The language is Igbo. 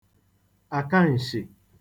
àkaǹshị̀